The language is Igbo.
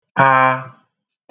a